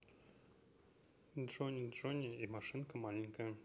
джони джони и машинка маленькая